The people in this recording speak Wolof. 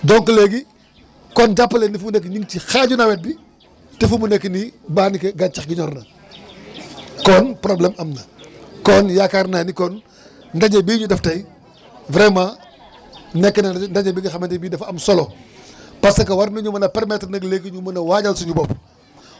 donc léegi kon jàpp leen ni fi mu nekk nii ñu ngi ci xaaju nawet bi te fu mu nekk nii daanaka gàncax gi ñor na kon problème am na kon yaakaar naa ni kon ndaje bii ñu def tey vraiment nekk na ndaje bi nga xamante ne bi dafa am solo parce que war nañu mën a permettre nag léegi ñu mën a waajal suñu bopp